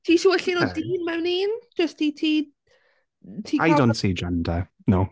Ti isio gweld llun o dyn mewn un? Jyst i ti... ti cael... I don't see gender, no.